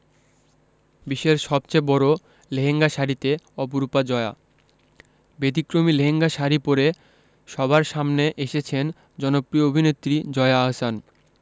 বিশ্বের সবচেয়ে বড় লেহেঙ্গা শাড়িতে অপরূপা জয়া ব্যতিক্রমী লেহেঙ্গা শাড়ি পরে সবার সামনে এসেছেন জনপ্রিয় অভিনেত্রী জয়া আহসান